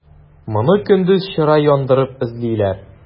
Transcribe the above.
Моны көндез чыра яндырып эзлиләр.